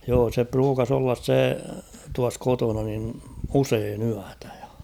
joo se pruukasi olla se tuossa kotona niin usein yötä ja